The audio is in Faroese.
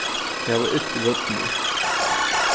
tey hava ilt í vøddunum